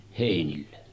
heinille